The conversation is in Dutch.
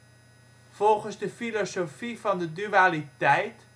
Volgens de filosofie van de dualiteit